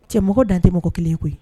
Cɛ mɔgɔ dantɛ mɔgɔ kelen ye koyi